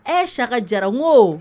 E saka jarako